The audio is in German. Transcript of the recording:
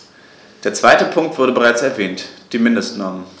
Der zweite Punkt wurde bereits erwähnt: die Mindestnormen.